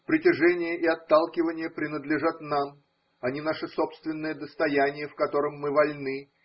Притяжения и отталкивания принадлежат нам, они наше собственное достояние, в котором мы вольны.